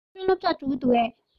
ཉི སྒྲོན སློབ གྲྭར འགྲོ གི འདུག གས